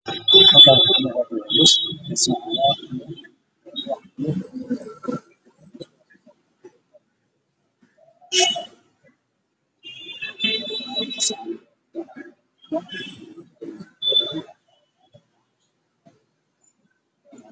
Waa geed midabkiisu yahay cagaar